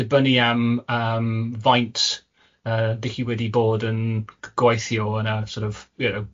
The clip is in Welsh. dibynnu am yym faint yy dych chi wedi bod yn g- c- gweithio yn y sor' of you know